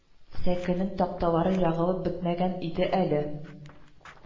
Сәкенең такталары ягылып бетмәгән иде әле